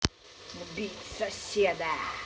убить соседа